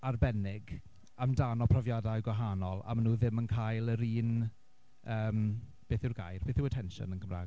Arbennig amdano profiadau gwahanol a maen nhw ddim yn cael yr un... beth yw'r gair? Beth yw attention yn Gymraeg?